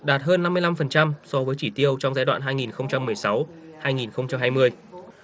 đạt hơn năm mươi lăm phần trăm so với chỉ tiêu trong giai đoạn hai nghìn không trăm mười sáu hai nghìn không trăm hai mươi